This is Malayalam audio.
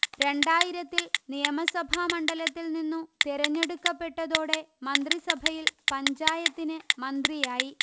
രണ്ടായിരത്തിൽ നിയമസഭാ മണ്ഡലത്തിൽ നിന്നു തിരഞ്ഞെടുക്കപ്പെട്ടതോടെ മന്ത്രിസഭയിൽ പഞ്ചായത്തിന് മന്ത്രിയായി